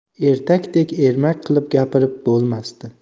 ertakdek ermak qilib gapirib bo'lmasdi